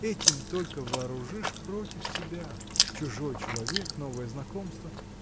этим только вооружишь против себя; чужой человек, новое знакомство.